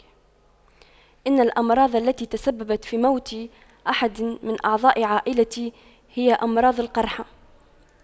ان الأمراض التي تسببت في موت أحد من اعضاء عائلتي هي أمراض القرحة